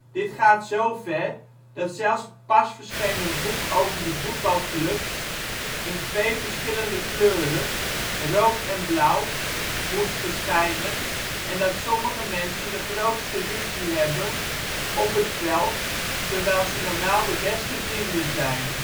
Dit gaat zo ver, dat zelfs het pas verschenen boek over de voetbalclubs in twee verschillende kleuren (rood en blauw) moest verschijnen en dat sommige mensen de grootste ruzie hebben op het veld terwijl ze normaal de beste vrienden zijn